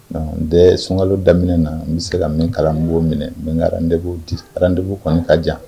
Non dès sunkalo daminɛ na n bɛ se ka min kala n b'o minɛ mais n ka rendez vous ti, rendez vous kɔni ka jan